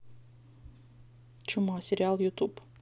чума сериал ютуб